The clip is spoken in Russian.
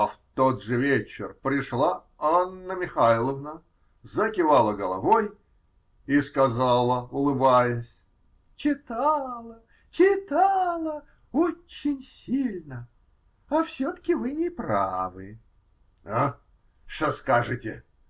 а в тот же вечер пришла Анна Михайловна, закивала головой и сказала, улыбаясь: -- Читала, читала. Очень сильно! А все-таки вы неправы. А? Что скажете?